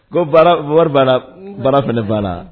Ko baara wari b'a la baara fana b'a la